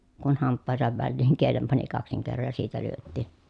kun hampaidensa väliin kielen pani kaksin kerroin ja siitä lyötti